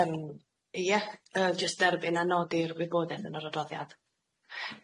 Yym ie yy jyst derbyn a nodi'r wybodeth yn yr adroddiad.